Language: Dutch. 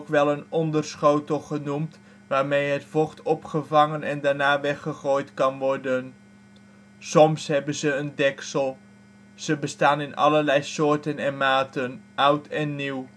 wel een onderschotel genoemd waarmee het vocht opgevangen en daarna weggegooid kan worden. Soms hebben ze een deksel. Ze bestaan in allerlei soorten en maten, oud en nieuw